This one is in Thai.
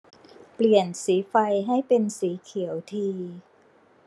เปลี่ยนสีไฟให้เป็นสีเขียวที